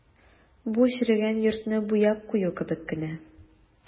Бу черегән йортны буяп кую кебек кенә.